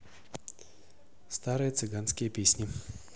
старые цыганские песни